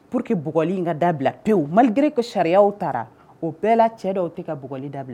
Po que bugli in ka da bila pewu mali gre ka sariya taara o bɛɛ cɛ dɔw tɛ ka bugli dabila